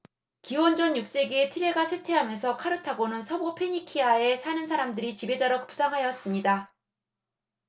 기원전 육 세기에 티레가 쇠퇴하면서 카르타고는 서부 페니키아에 사는 사람들의 지배자로 부상하였습니다